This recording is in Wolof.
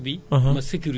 foofu la yam